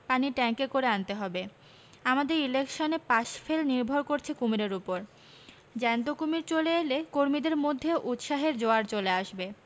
পানির ট্যাংকে করে আনতে হবে আমাদের ইলেকশনে পাশ ফেল নির্ভর করছে কুমীরের উপর জ্যান্ত কুমীর চলে এলে কর্মীদের মধ্যেও উৎসাহের জোয়ার চলে আসবে